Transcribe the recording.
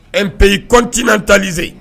Un pays continental